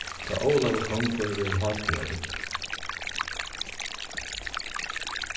tá ólavur kongur verður hátíðarhildin